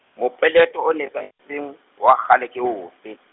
mopeleto o nepahetseng wa kgale ke ofe?